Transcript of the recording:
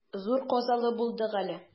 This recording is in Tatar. Зур казалы булдык әле.